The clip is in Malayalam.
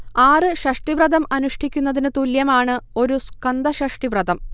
ആറ് ഷഷ്ടിവ്രതം അനുഷ്ഠിക്കുന്നതിനു തുല്യമാണ് ഒരു സ്കന്ദഷഷ്ഠി വ്രതം